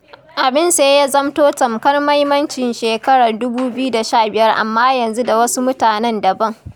Abin sai ya zamto tamkar maimaicin shekarar 2015 amma yanzu da wasu mutanen dabam.